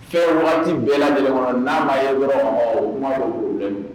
Fɛn waati bɛɛ la lajɛlen kɔnɔ n'a ma ye wɛrɛ